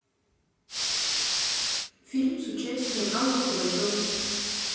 фильм с участием аллы пугачевой